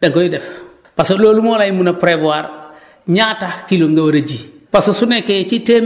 da nga koy def parce que loolu moo lay mën a prévoir ñaata kilos nga war a ji